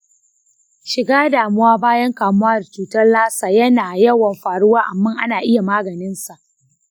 shiga damuwa bayan kamuwa da cutar lassa yana yawan faruwa amma ana iya maganinsa.